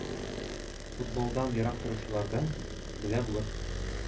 Футболдан ерак торучылар да белә булыр: